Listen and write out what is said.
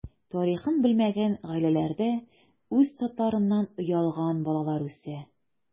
Тарихын белмәгән гаиләләрдә үз татарыннан оялган балалар үсә.